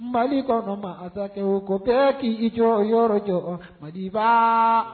Mali kɔnɔ ma ata o ko bɛɛ k'i jɔ yɔrɔ jɔ mali fa